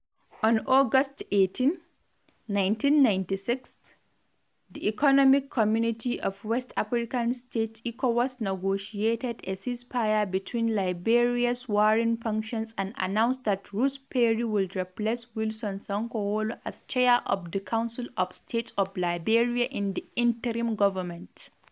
On August 18, 1996, the Economic Community of West African States (ECOWAS) negotiated a ceasefire between Liberia’s warring factions and announced that Ruth Perry would replace Wilton Sankawulo as Chair of the Council of State of Liberia in the interim government.